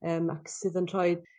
Yym ac sydd yn rhoid